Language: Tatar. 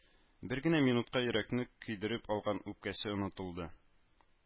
Бер генә минутка йөрәкне көйдереп алган үпкәсе онытылды